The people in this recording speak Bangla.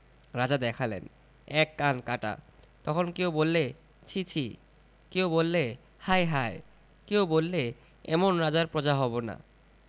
রাজা দেখালেন এক কান কাটা তখন কেউ বললে ছি ছি' কেউ বললে হায় হায় কেউ বললে এমন রাজার প্ৰজা হব না